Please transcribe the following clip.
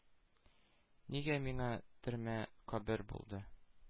Нигә миңа төрмә кабер булды,